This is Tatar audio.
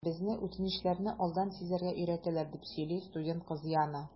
Безне үтенечләрне алдан сизәргә өйрәтәләр, - дип сөйли студент кыз Яна.